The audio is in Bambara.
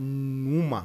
U ma